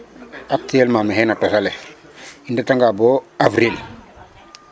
actuellement mexey na tos ale i ndetangaa bo avril.